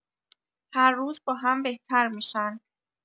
هر روز با هم بهتر می‌شن